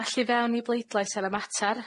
Felly, fewn i bleidlais ar y matar.